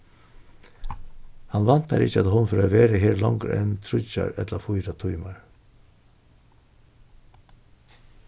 hann væntar ikki at hon fer at verða her longur enn tríggjar ella fýra tímar